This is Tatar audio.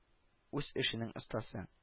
Үз эшенең остасы